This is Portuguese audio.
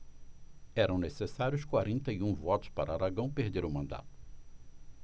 eram necessários quarenta e um votos para aragão perder o mandato